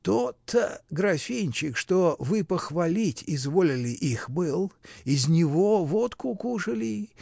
Тот-то графинчик, что вы похвалить изволили, их был: из него водку кушали.